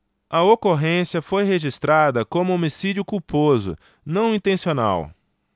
a ocorrência foi registrada como homicídio culposo não intencional